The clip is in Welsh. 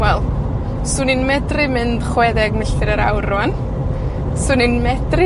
wel, 'swn i'n medru mynd chwe deg milltir yr awr rŵan. 'Swn i'n medru